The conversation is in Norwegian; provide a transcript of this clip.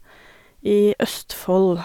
I Østfold.